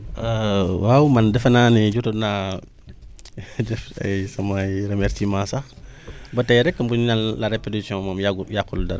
waaw man defe naa ni jotoon naa def ay samay remerciments sax ba tey rek bu ñu naan la répétition moom yàggut yàqul dara